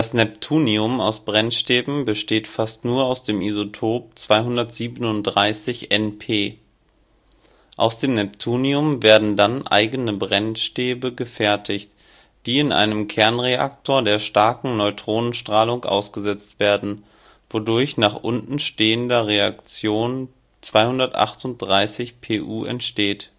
Neptunium aus Brennstäben besteht fast nur aus dem Isotop 237Np; aus dem Neptunium werden dann eigene Stäbe gefertigt, die in einem Kernreaktor der starken Neutronenstrahlung ausgesetzt werden, wodurch nach unten stehender Reaktion 238Pu entsteht